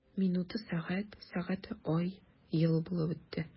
Минуты— сәгать, сәгате— ай, ел булып үтте.